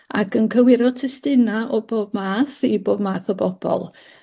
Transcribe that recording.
Ag yn cywiro testuna o bob math i bob math o bobol.